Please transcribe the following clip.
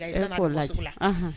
Yani a ka bɔ sugu la, e k'o lajɛ, unhun